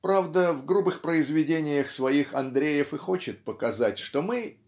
Правда, в грубых произведениях своих Андреев и хочет показать, что мы